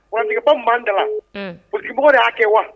Wabaw b'an da wbugu de y'a kɛ wa